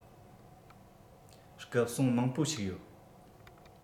སྐུ སྲུང མང པོ ཞིག ཡོད